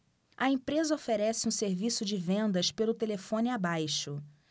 a empresa oferece um serviço de vendas pelo telefone abaixo